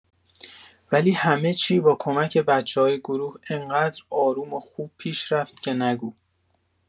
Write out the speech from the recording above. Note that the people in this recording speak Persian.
ولی همه چی با کمک بچه‌های گروه انقدر آروم و خوب پیش رفت که نگو